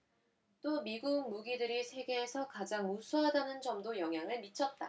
또 미국 무기들이 세계에서 가장 우수하다는 점도 영향을 미쳤다